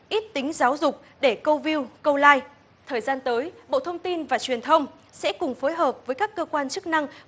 ít tính giáo dục để câu viu câu lai thời gian tới bộ thông tin và truyền thông sẽ cùng phối hợp với các cơ quan chức năng